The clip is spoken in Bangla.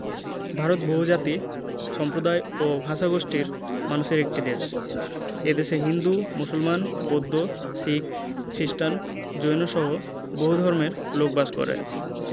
ভারত বহুজাতি সম্প্রদায় ও ভাষাগোষ্ঠীর মানুষের একটি দেশ এ দেশে হিন্দু মুসলমান বৌদ্ধ শিখ খ্রিস্টান জৈনসহ বহু ধর্মের লোক বাস করে